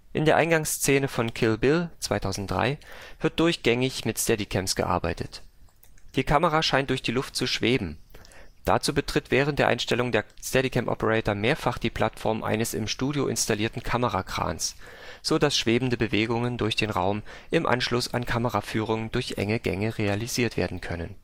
der Eingangsszene von Kill Bill (2003) wird durchgängig mit Steadicams gearbeitet. Die Kamera scheint durch die Luft zu „ schweben “. Dazu betritt während der Einstellung der Steadicam-Operator mehrfach die Plattform eines im Studio installierten Kamerakrans, so dass schwebende Bewegungen durch den Raum im Anschluss an Kameraführungen durch enge Gänge realisiert werden können